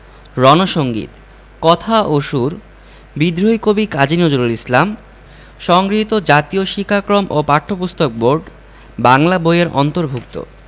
রন সঙ্গীত কথা ও সুর বিদ্রোহী কবি কাজী নজরুল ইসলাম সংগৃহীত জাতীয় শিক্ষাক্রম ও পাঠ্যপুস্তক বোর্ড বাংলা বই এর অন্তর্ভুক্ত